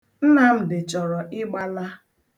Nnamdị chọrọ ịgbala.